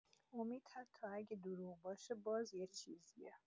امید، حتی اگه دروغ باشه، باز یه چیزیه.